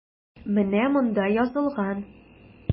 Менә монда язылган.